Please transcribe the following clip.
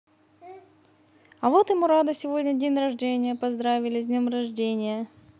а вот и мурада сегодня день рождения поздравили с днем рождения